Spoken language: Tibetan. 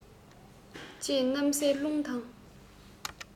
ཅེས གནམ སའི རླུང དང